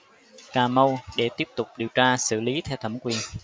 cà mau để tiếp tục điều tra xử lý theo thẩm quyền